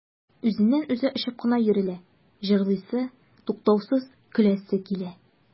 Үзеннән-үзе очып кына йөрелә, җырлыйсы, туктаусыз көләсе килә.